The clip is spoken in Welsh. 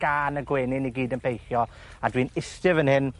gân y gwenyn i gyd yn peichio a dwi'n iste fan hyn